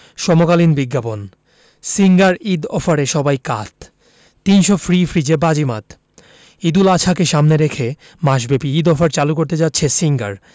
সমকালীন বিজ্ঞাপন সিঙ্গার ঈদ অফারে সবাই কাত ৩০০ ফ্রি ফ্রিজে বাজিমাত ঈদুল আজহাকে সামনে রেখে মাসব্যাপী ঈদ অফার চালু করতে যাচ্ছে সিঙ্গার